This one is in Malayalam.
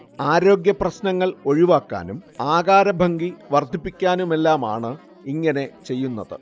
ആരോഗ്യപ്രശ്നങ്ങൾ ഒഴിവാക്കാനും ആകാരഭംഗി വർദ്ധിപ്പിക്കാനുമെല്ലാമാണ് ഇങ്ങനെ ചെയ്യുന്നത്